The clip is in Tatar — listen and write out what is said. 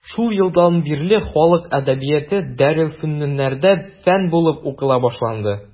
Шул елдан бирле халык әдәбияты дарелфөнүннәрдә фән булып укыла башланды.